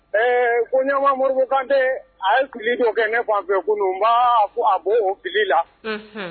Ee koɲama mori kante a ye ki dɔ kɛ ne fanfɛ kunun fo a b' o ki la